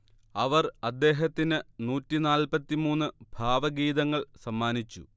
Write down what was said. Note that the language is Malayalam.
അവർ അദ്ദേഹത്തിന് നൂറ്റി നാല്പത്തി മൂന്ന് ഭാവഗീതങ്ങൾ സമ്മാനിച്ചു